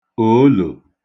òolò